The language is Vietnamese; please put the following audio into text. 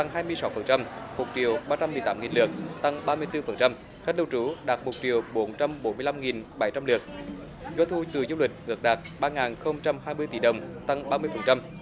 tăng hai mươi sáu phần trăm một triệu ba trăm mười tám nghìn lượt tăng ba mươi tư phần trăm khách lưu trú đạt một triệu bốn trăm bốn mươi lăm nghìn bảy trăm lượt doanh thu từ du lịch ước đạt ba nghìn không trăm hai mươi tỷ đồng tăng ba mươi phần trăm